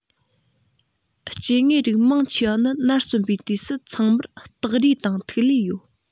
སྐྱེ དངོས རིགས མང ཆེ བ ནི ནར སོན པའི དུས སུ ཚང མར སྟག རིས དང ཐིག ལེ ཡོད